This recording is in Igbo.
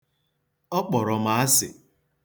Ọ kpọrọ m asị